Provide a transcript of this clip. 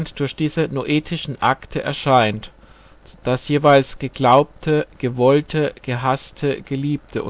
durch diese noetischen Akte erscheint (das jeweils Geglaubte, Gewollte, Gehasste, Geliebte